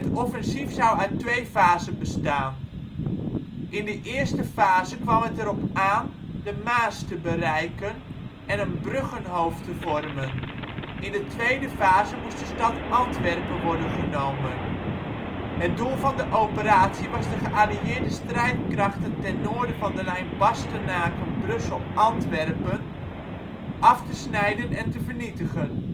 offensief zou uit twee fasen bestaan. In de eerste fase kwam het erop aan de Maas te bereiken en een bruggenhoofd te vormen. In de tweede fase moest de stad Antwerpen worden genomen. Het doel van de operatie was de geallieerde strijdkrachten ten noorden van de lijn Bastenaken (Bastogne) - Brussel-Antwerpen af te snijden en te vernietigen